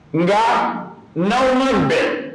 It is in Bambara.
Nka n'aw ma bɛn